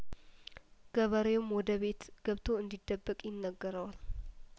ገበሬውም ወደ ቤት ገብቶ እንዲ ደበቅ ይነገረዋል